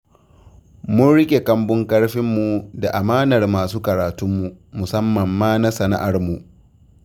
'Mun riƙe kambun ƙarfinmu da amanar masu karatunmu, musamman ma na sana'armu''.